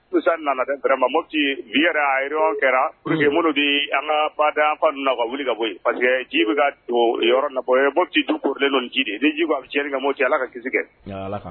Sisan nana tɛɛrɛrama vi yɔrɔ kɛra minnu di an kadfa wuli ka bɔ parce que ji bɛ yɔrɔ mo jilen ji ni ji b'a bɛ cɛn cɛ ala ka kisi kɛ